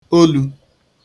olū